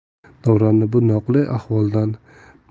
davronni bu noqulay